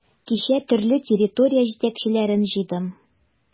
Кичә төрле территория җитәкчеләрен җыйдым.